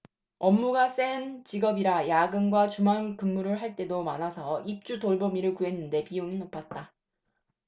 업무 강도가 센 직업이라 야근과 주말근무를 할 때도 많아서 입주돌보미를 구했는데 비용이 높았다